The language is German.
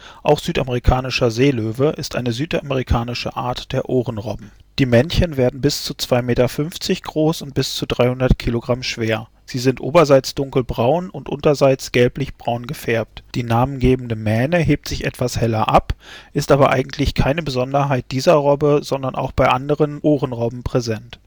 auch Südamerikanischer Seelöwe, ist eine südamerikanische Art der Ohrenrobben. 1 Merkmale 2 Verbreitung 3 Lebensweise 4 Bedrohung und Schutz 5 Taxonomie 6 Literatur 7 Weblinks Die Männchen werden bis zu 2,50 m groß und bis zu 300 kg schwer. Sie sind oberseits dunkelbraun und unterseits gelblichbraun gefärbt. Die namengebende Mähne hebt sich etwas heller ab, ist aber eigentlich keine Besonderheit dieser Robbe, sondern auch bei anderen Ohrenrobben präsent